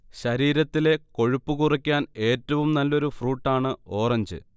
ശരീരത്തിലെ കൊഴുപ്പ് കുറയ്ക്കാൻഏറ്റവും നല്ലൊരു ഫ്രൂട്ടാണ് ഓറഞ്ച്